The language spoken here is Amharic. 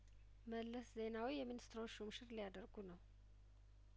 መለስ ዜናዊ የሚኒስትሮች ሹም ሽር ሊያደርጉ ነው